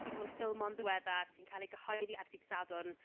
fi 'di bod yn ffilmo’n ddiweddar sy'n cael ei gyhoeddi ar dydd Sadwrn.